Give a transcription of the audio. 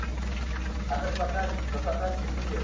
axir faqat va faqat uni deb